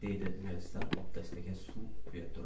deydi muyassar obdastaga suv quya turib